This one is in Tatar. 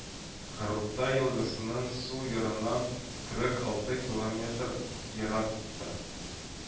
Харута елгасының сул ярыннан кырык алты километр ераклыкта